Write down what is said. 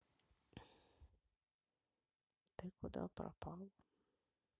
ты куда пропал